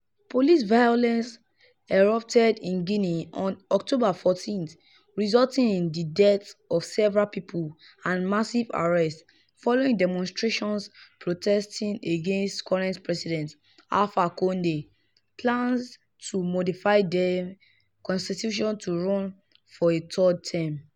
Police violence erupted in Guinea on October 14, resulting in the death of several people and massive arrests, following demonstrations protesting against current president Alpha Condé's plans to modify the constitution to run for a third term.